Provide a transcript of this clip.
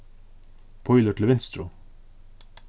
pílur til vinstru